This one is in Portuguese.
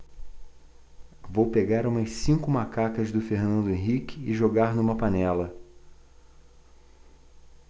vou pegar umas cinco macacas do fernando henrique e jogar numa panela